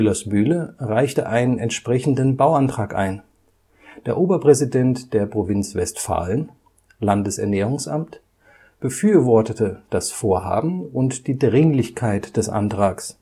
s Mühle reichte einen entsprechenden Bauantrag ein; der Oberpräsident der Provinz Westfalen, Landesernährungsamt, befürwortete das Vorhaben und die Dringlichkeit des Antrags